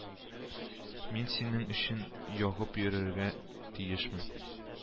Мин синең өчен ягып йөрергә тиешмени